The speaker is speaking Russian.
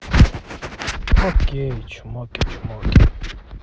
окей чмоки чмоки